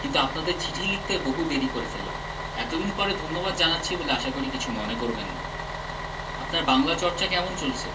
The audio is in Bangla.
কিন্তু আপনাদের চিঠি লিখতে বহু দেরী করে ফেললাম এতদিন পরে ধন্যবাদ জানাচ্ছি বলে আশা করি কিছু মনে করবেন না আপনার বাংলা চর্চা কেমন চলছে